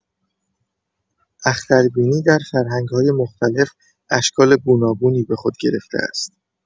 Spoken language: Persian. اختربینی در فرهنگ‌های مختلف، اشکال گوناگونی به خود گرفته است.